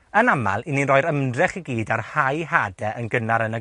Yn amal 'yn ni'n roi'r ymdrech i gyd ar hau hade yn gynnar yn y